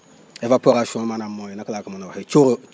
évaporation maanaam mooy naka laa ko mun a waxee cóolóol